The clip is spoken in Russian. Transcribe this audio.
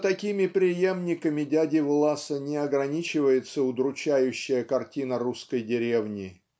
что такими преемниками дяди Власа не ограничивается удручающая картина русской деревни.